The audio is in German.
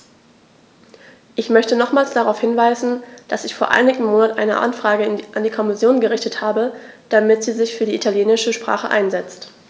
Ich möchte nochmals darauf hinweisen, dass ich vor einigen Monaten eine Anfrage an die Kommission gerichtet habe, damit sie sich für die italienische Sprache einsetzt.